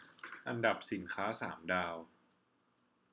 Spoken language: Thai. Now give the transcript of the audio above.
อันดับสินค้าสามดาว